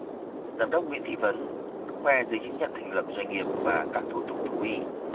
giám đốc nguyễn thị vấn khoe giấy chứng nhận thành lập doanh nghiệp và các thủ tục thú y